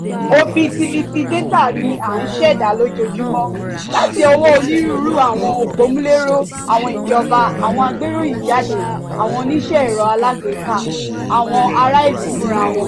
Òbítíbitì dátà ni à ń ṣẹ̀dá lójoojúmọ́, láti ọwọ́ onírúurú àwọn òpómúléró: àwọn ìjọba, àwọn agbéròyìnjáde, àwọn oníṣẹ́ ẹ̀rọ alágbèéká, àwọn ará-ìlú fúnra wọn.